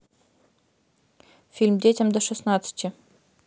фильм детям до шестнадцати